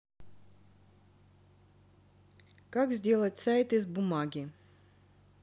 как сделать сайт из бумаги